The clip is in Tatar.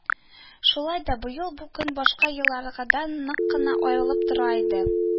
Шулай да быел бу көн башка еллардагыдан нык кына аерылып тора иде